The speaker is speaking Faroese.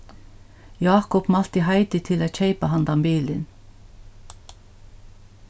jákup mælti heidi til at keypa handa bilin